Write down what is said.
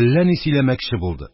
әллә ни сөйләмәкче булды.